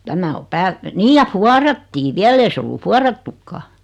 tämä on päältä niin ja vuorattiin vielä ei se ollut vuorattukaan